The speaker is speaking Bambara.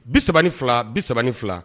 32 32